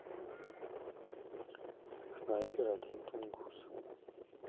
снайпер один тунгус